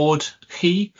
O